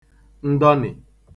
ndọnị̀